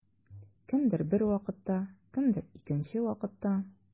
Кемдер бер вакытта, кемдер икенче вакытта.